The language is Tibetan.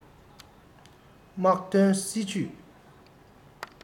དམག དོན སྲིད ཇུས